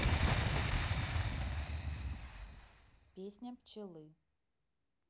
песня пчелы